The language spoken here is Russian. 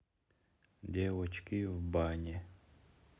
девочки в бане